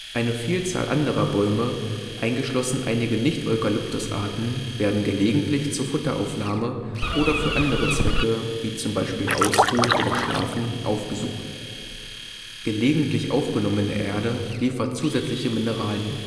Eine Vielzahl anderer Bäume, eingeschlossen einige Nicht-Eukalyptus-Arten, werden gelegentlich zur Futteraufnahme oder für andere Zwecke (z. B. Ausruhen, Schlafen) aufgesucht. Gelegentlich aufgenommene Erde liefert zusätzliche Mineralien